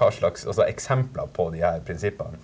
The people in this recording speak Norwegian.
hva slags altså eksempler på de her prinsippene?